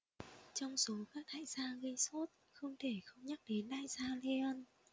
trong số các đại gia gây sốt không thể không nhắc đến đại gia lê ân